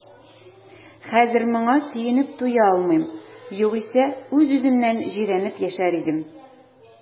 Хәзер моңа сөенеп туя алмыйм, югыйсә үз-үземнән җирәнеп яшәр идем.